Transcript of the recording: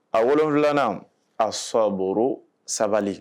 A wolo filanan a sɔuru sabali